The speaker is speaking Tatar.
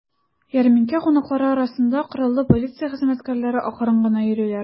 Ярминкә кунаклары арасында кораллы полиция хезмәткәрләре акрын гына йөриләр.